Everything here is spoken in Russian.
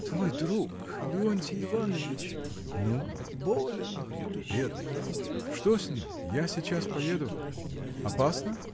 — Твой друг, Леонтий Иванович. — Ну? — Болен. — Бедный! Что с ним? Я сейчас поеду. Опасно?